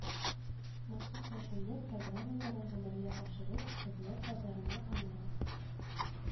Махсус мәшгульлек программаларын гамәлгә ашыру, хезмәт базарына анализ